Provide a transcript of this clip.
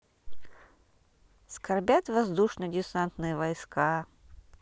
скорбят воздушно десантные войска